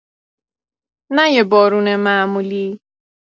نه یه بارون معمولی؛